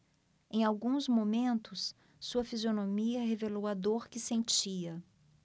em alguns momentos sua fisionomia revelou a dor que sentia